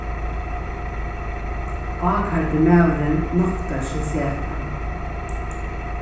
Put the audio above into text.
ákærdi maðurin noktar seg sekan